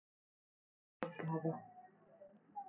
ты кто баба